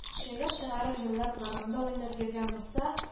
— шигырь чыгарып, җырлап, гармунда уйнап йөргән булса